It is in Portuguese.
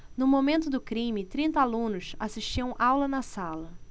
no momento do crime trinta alunos assistiam aula na sala